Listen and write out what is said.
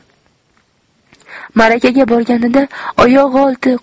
marakaga borganida oyog'i olti